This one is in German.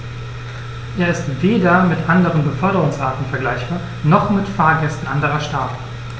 Er ist weder mit anderen Beförderungsarten vergleichbar, noch mit Fahrgästen anderer Staaten.